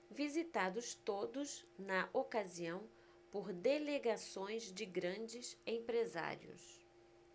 visitados todos na ocasião por delegações de grandes empresários